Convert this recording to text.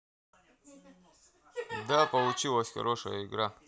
да получилась хорошая игра